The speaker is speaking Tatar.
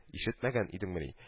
Ишетмәгән идеңмени